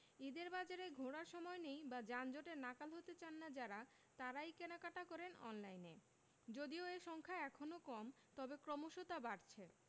ঈদের বাজারে ঘোরার সময় নেই বা যানজটে নাকাল হতে চান না যাঁরা তাঁরাই কেনাকাটা করেন অনলাইনে যদিও এ সংখ্যা এখনো কম তবে ক্রমশ তা বাড়ছে